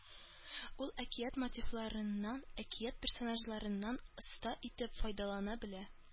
Ул әкият мотивларыннан, әкият персонажларыннан оста итеп файдалана белә